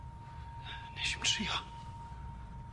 Nesh i'm trio!